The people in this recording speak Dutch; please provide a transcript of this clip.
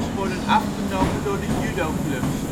worden afgenomen door de judoclubs